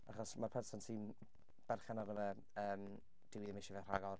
Achos ma'r person sy'n berchen arno fe yym, dyw hi ddim isie fe rhagor.